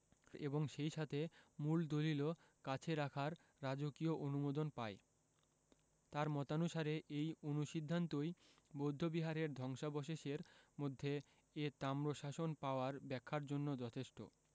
এবং সেই সাথে মূল দলিলও কাছে রাখার রাজকীয় অনুমোদন পায় তাঁর মতানুসারে এই অনুসিদ্ধান্তই বৌদ্ধ বিহারের ধ্বংসাবশেষের মধ্যে এ তাম্রশাসন পাওয়ার ব্যাখ্যার জন্য যথেষ্ট